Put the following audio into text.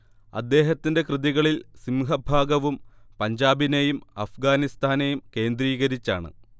അദ്ദേഹത്തിന്റെ കൃതികളിൽ സിംഹഭാഗവും പഞ്ചാബിനെയും അപ്ഗാനിസ്ഥാനെയും കേന്ദ്രീകരിച്ചാണ്